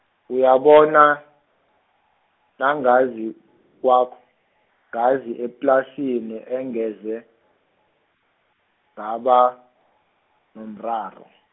uyabona, nangazi kwakho, ngazi eplasini angeze, ngaba, nomraro.